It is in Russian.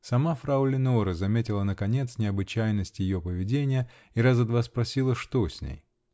Сама фрау Леноре заметила, наконец, необычайность ее поведения и раза два спросила, что с ней.